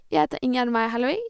Jeg heter Ingegjerd Meyer Hellevig.